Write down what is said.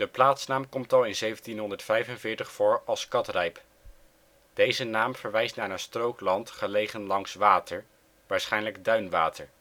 plaatsnaam komt al in 1745 voor als Catryp. Deze naam verwijst naar een strook land gelegen langs water, waarschijnlijk duinwater